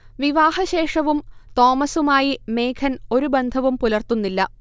വിവാഹശേഷവും തോമസുമായി മേഘൻ ഒരു ബന്ധവും പുലർത്തുന്നില്ല